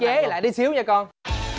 tiết chế lại tí xíu nha con